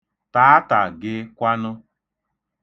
Taata gị kwanụ?